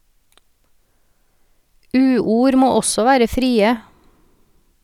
Uord må også være frie.